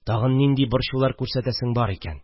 Тагын нинди борчулар күрсәтәсең бар икән